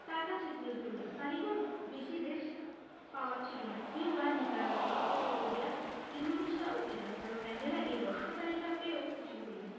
তাঁর কাছে তুলে ধরলাম তালিকায় বেশি দেশ পাওয়া ছিল না কিউবা নিকারাগুয়া উত্তর কোরিয়া ইন্দোনেশিয়া ও ইরান তবে ম্যান্ডেলা এই হ্রস্ব তালিকা পেয়েও খুশি হলেন